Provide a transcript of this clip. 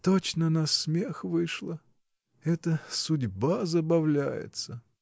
Точно на смех вышло: это “судьба” забавляется!.